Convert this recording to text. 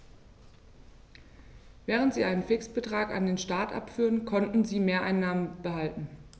Während sie einen Fixbetrag an den Staat abführten, konnten sie Mehreinnahmen behalten.